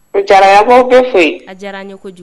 Jarabaw bɛ fɛ a diyara ne kojugu